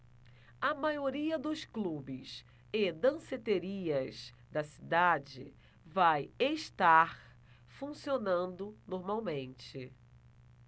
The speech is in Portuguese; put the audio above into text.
a maioria dos clubes e danceterias da cidade vai estar funcionando normalmente